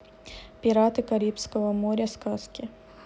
пираты карибского моря сказки